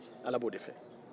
ala b'o de fɛ